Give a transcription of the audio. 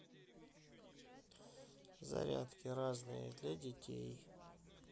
зарядки разные для детей